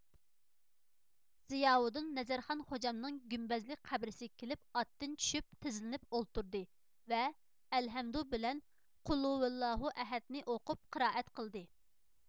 زىياۋۇدۇن نەزەرخان غوجامنىڭ گۈمبەزلىك قەبرىسىگە كېلىپ ئاتتىن چۈشۈپ تىزلىنىپ ئولتۇردى ۋە ئەلھەمدۇ بىلەن قۇلھۇۋەللاھۇ ئەھەد نى ئوقۇپ قىرائەت قىلدى